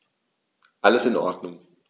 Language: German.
Alles in Ordnung.